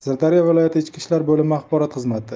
sirdaryo viloyati ichki ishlar boimi axborot xizmati